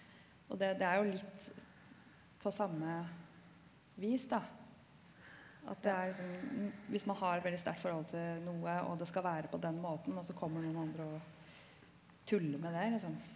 og det det er jo litt på samme vis da at det er liksom hvis man har veldig sterkt forhold til noe og det skal være på den måten også kommer noen andre å tuller med det liksom.